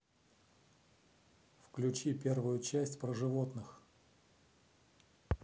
включи первую часть про животных